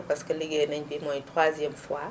parce que liggéey nañu bii mooy troisième fois